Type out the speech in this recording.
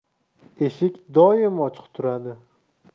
eshik doim ochiq turadi